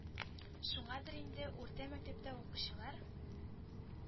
Шуңадыр инде, урта мәктәптә укучылар